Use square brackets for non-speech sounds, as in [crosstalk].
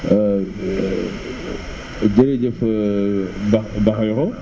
[hesitation] jërëjëf [hesitation] Bakh Bakhayokho